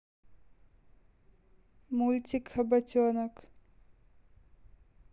мультик хоботенок